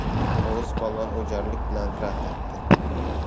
hovuz polvon o'jarlik bilan rad etdi